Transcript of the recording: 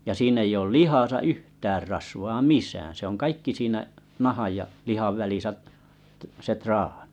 ja siinä ei ole lihassa yhtään rasvaa missään se on kaikki siinä nahan ja lihan välissä - se traani